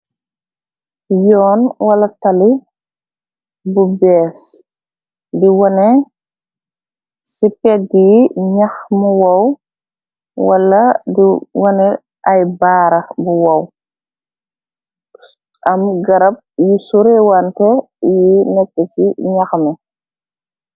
Yoon wala tali bu bees di wane ci pegg yi ñax mu wow wala di wone ay baara bu wow am garab yi surewante yi nekk ci ñax mi.